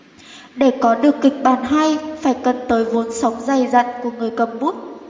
để có được kịch bản hay phải cần tới vốn sống dày dặn của người cầm bút